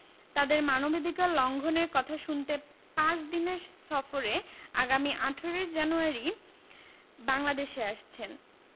তাদের মানবাধিকার লঙ্ঘনের কথা শুনতে পাঁচ দিনের সফরে আগামী ১৮ জানুয়ারি বাংলাদেশে আসছেন